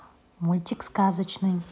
мультик сказочный